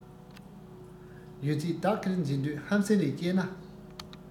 ཡོད ཚད བདག གིར འཛིན འདོད ཧམ སེམས རེ སྐྱེས ན